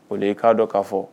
O de ye i k'a dɔn k'a fɔ